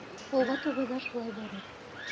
Алга таба да шулай барыр.